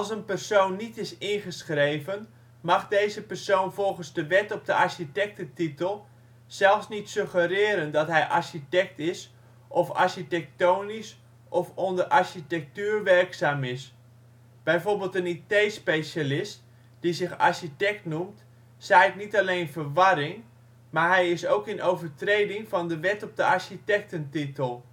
een persoon niet is ingeschreven mag deze persoon volgens de wet op de architectentitel zelfs niet suggereren, dat hij architect is of " architectonisch " of " onder architectuur " werkzaam is. Bijvoorbeeld een IT specialist, die zich architect noemt, zaait niet alleen verwarring, maar hij is ook in overtreding van de wet op de architectentitel